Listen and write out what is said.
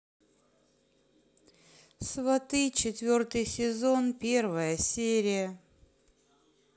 сваты четвертый сезон первая серия